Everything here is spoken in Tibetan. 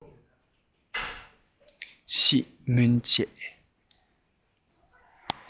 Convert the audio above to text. ཤིས སྨོན བཅས